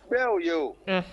Fɛw ye